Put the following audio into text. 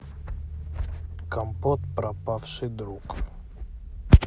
компот пропавший друг